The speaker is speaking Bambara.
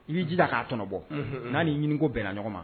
I b'i ji da k'aɔnɔ bɔ n'a' ɲini ko bɛnna ɲɔgɔn ma